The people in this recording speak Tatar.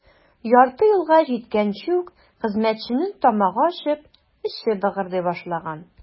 Ярты юлга җиткәнче үк хезмәтченең тамагы ачып, эче быгырдый башлаган.